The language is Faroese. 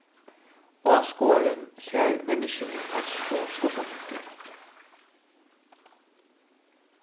áskoðarin sær menniskjuni eins og skuggamyndir